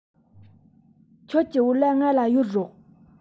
ཁྱོད ཀྱི བོད ལྭ ང ལ གཡོར རོགས